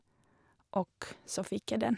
Og så fikk jeg den.